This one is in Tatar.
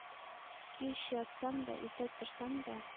Кич ятсам да, иртә торсам да,